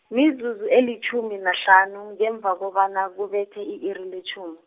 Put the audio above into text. mizuzu elitjhumi nahlanu, ngemva kobana kubethe i-iri letjhumi.